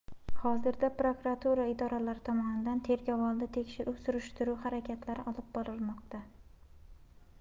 hozirda prokuratura idoralari tomonidan tergovoldi tekshiruv surishtiruv harakatlari olib borilmoqda